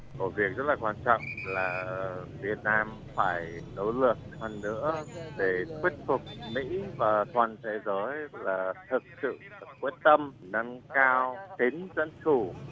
một việc rất là quan trọng là việt nam phải nỗ lực hơn nữa để thuyết phục mỹ và toàn thế giới là thực sự quyết tâm nâng cao tính dân chủ